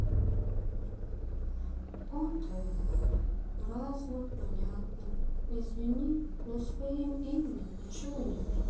отр разно понятно извини но своим именем ничего нету